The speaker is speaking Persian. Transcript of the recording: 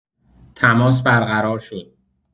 تماس برقرار شد.